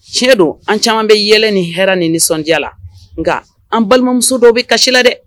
Tiɲɛ don an caman bɛ yɛlɛ ni hɛrɛɛ ni nisɔndiya la . Ngaa an balimamuso dɔw bi kasi la dɛ